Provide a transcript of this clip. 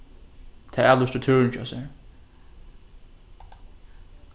tær avlýstu túrin hjá sær